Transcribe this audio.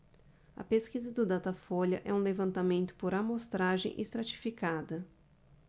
a pesquisa do datafolha é um levantamento por amostragem estratificada